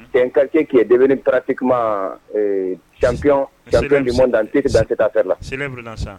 Cɛ kake tile de pati kumap ɲuman danpikitan seta fɛ la